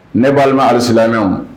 Ne balima alisilamɛw